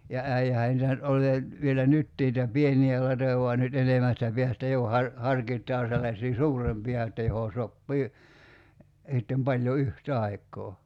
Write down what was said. ja äijähän niitä nyt oli ei vielä nytkin niitä pieniä latoja vaan nyt enemmästä päästä jo - harkitaan sellaisia suurempia että johon sopii sitten paljon yhtä aikaa